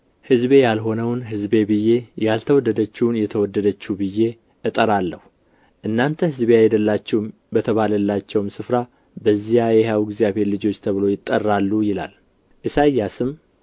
ሕዝቤ ያልሆነውን ሕዝቤ ብዬ ያልተወደደችውንም የተወደደችው ብዬ እጠራለሁ እናንተ ሕዝቤ አይደላችሁም በተባለላቸውም ስፍራ በዚያ የሕያው እግዚአብሔር ልጆች ተብለው ይጠራሉ ይላል ኢሳይያስም